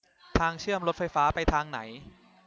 ทางเชื่อมรถไฟฟ้าไปทางไหน